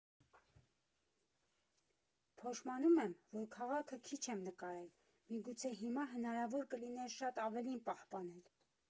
Փոշմանում եմ, որ քաղաքը քիչ եմ նկարել, միգուցե հիմա հնարավոր կլիներ շատ ավելին պահպանել։